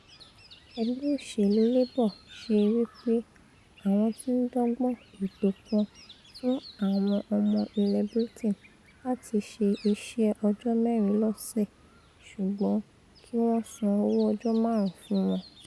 Ẹgbẹ́ òṣèlú Labour ṣẹ wí pé́ àwọn ti ńdọ́gbọ́n ètò kan fun àwọn ọmọ ilẹ̀ Britain láti ṣe iṣẹ́ ọjọ́ mẹ́rin lọ́sẹ̵̀ ṣùgbọn kí wọ́n san owó ọjọ́ máàrún fún wọn